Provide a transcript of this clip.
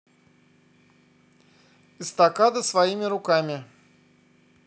эстакада своими руками